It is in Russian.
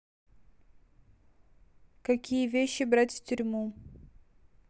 какие вещи брать в тюрьму